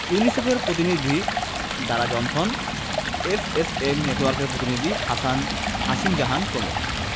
ইউনিসেফের প্রতিনিধি Dara Jonathan FSM নেটওয়ার্কের প্রতিনিধি হাসান হাসিন জাহান প্রমুখ